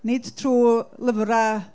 Nid trwy gwerth lyfrau...